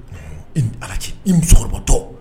Ala c i musokɔrɔbatɔ